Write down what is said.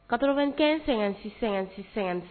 Katoɛn sɛgɛn sɛgɛn- sɛgɛn